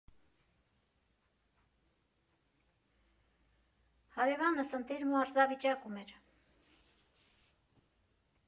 Հարևանս ընտիր մարզավիճակում էր։